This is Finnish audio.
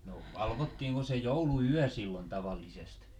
no valvottiinko se jouluyö silloin tavallisesti